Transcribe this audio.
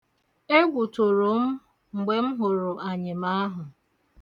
Egwu tụrụ m mgbe m hụrụ anyịm ahụ.